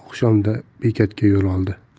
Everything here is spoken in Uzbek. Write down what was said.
oqshomda bekatga yo'l oldi